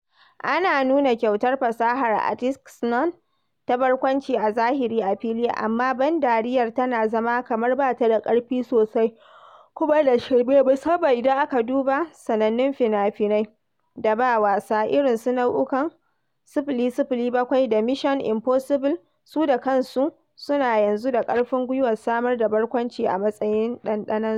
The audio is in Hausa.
Ana nuna kyautar fasahar Atkinson ta barkwanci a zahiri a fili, amma ban dariyar tana zama kamar ba ta da ƙarfi sosai kuma da shirme, musamman idan aka duba sanannun fina-finai "da ba wasa" irin su nau'ukan 007 da Mission Impossible su da kansu suna yanzu da ƙarfin gwiwa samar da barkwanci a matsayin ɗanɗanonsu.